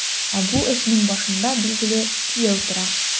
Ә бу эшнең башында, билгеле, кияү тора.